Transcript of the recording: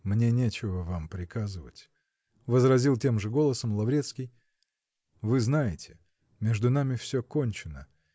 -- Мне нечего вам приказывать, -- возразил тем же голосом Лаврецкий, -- вы знаете -- между нами все кончено.